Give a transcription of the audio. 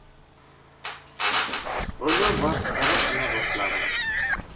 uni masxara qila boshladim